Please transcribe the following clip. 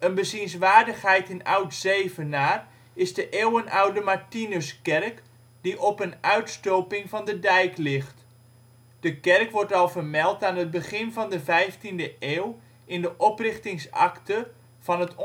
bezienswaardigheid in Oud Zevenaar is de eeuwenoude Martinuskerk, die op een uitstulping van de dijk ligt. De kerk wordt al vermeld aan het begin van de 15de eeuw in de oprichtingsakte van het